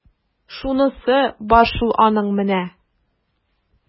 Шунысы бар шул аның менә! ..